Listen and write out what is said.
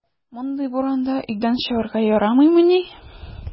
Мондый буранда өйдән чыгарга ярыймыни!